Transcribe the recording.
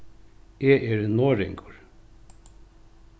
eg eri norðoyingur